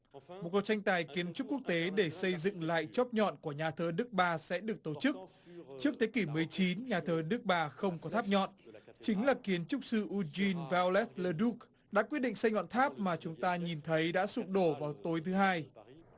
một cuộc tranh tài kiến trúc quốc tế để xây dựng lại chóp nhọn của nhà thờ đức bà sẽ được tổ chức trước thế kỷ mười chín nhà thờ đức bà không có tháp nhọn chính là kiến trúc sư u din veo ô lét lê đút đã quyết định xây ngọn tháp mà chúng ta nhìn thấy đã sụp đổ vào tối thứ hai